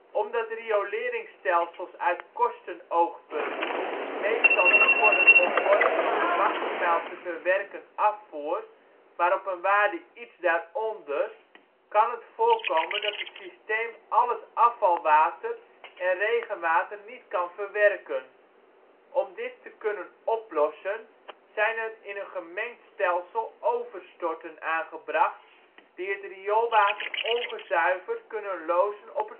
Omdat rioleringsstelsels uit kostenoogpunt meestal niet worden ontworpen op de maximaal te verwerken afvoer, maar op een waarde iets daaronder, kan het voorkomen dat het systeem al het afvalwater en regenwater niet kan verwerken. Om dit te kunnen oplossen zijn er in een gemengd stelsel overstorten aangebracht, die het rioolwater ongezuiverd kunnen lozen op